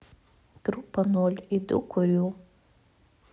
группа ноль иду курю